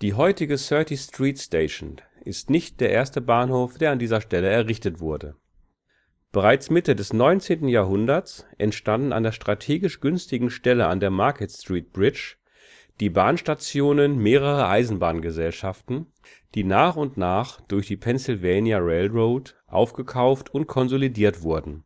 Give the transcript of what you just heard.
Die heutige 30th Street Station ist nicht der erste Bahnhof, der an dieser Stelle errichtet wurde. Bereits Mitte des 19. Jahrhunderts entstanden an der strategisch günstigen Stelle an der Market Street Bridge die Bahnstationen mehrerer Eisenbahngesellschaften, die nach und nach durch die Pennsylvania Railroad aufgekauft und konsolidiert wurden.